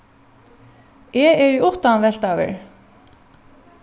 eg eri uttanveltaður